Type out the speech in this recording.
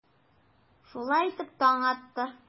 Шулай итеп, таң атты.